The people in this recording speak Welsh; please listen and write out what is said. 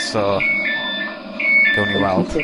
So, gawn ni weld.